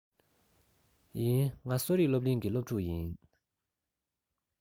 ཡིན ང གསོ རིག སློབ གླིང གི སློབ ཕྲུག ཡིན